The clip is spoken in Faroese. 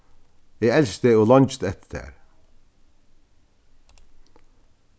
eg elski teg og leingist eftir tær